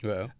waaw